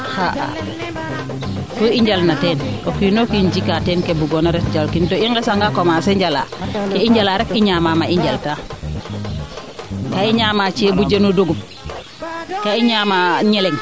xa'a ku i njalna teen o kiino kiin jikaa teen ke bugoona ret jal kin to i ngesa nga commencer njalaa ke i njala rek i ñaama mee i njal taa kaa i ñaama ceebu jen dugub kaa i ñaama ñeleng